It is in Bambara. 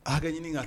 A ka ɲini